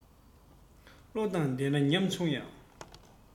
བློ དང ལྡན ན ཉམ ཆུང ཡང